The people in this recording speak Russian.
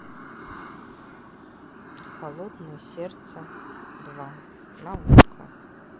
холодное сердце два на окко